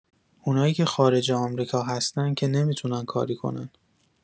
اونایی که خارج آمریکا هستن که نمی‌تونن کاری کنن.